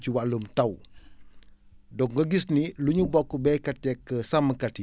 ci wàllum taw donc nga gis ni lu ñu bokk béykat yeeg sàmmkat yi